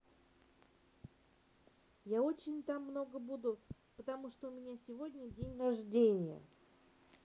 я очень там много буду потому что у меня сегодня день рождения